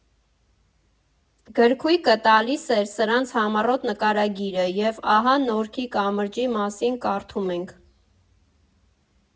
Գրքույկը տալիս էր սրանց համառոտ նկարագիրը, և ահա Նորքի կամրջի մասին կարդում ենք՝